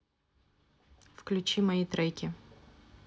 включи мои треки